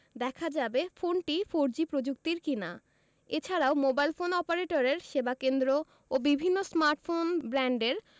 দেখা যাবে ফোনটি ফোরজি প্রযুক্তির কিনা এ ছাড়াও মোবাইল ফোন অপারেটরের সেবাকেন্দ্র ও বিভিন্ন স্মার্টফোন ব্র্যান্ডের